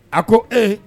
A ko ee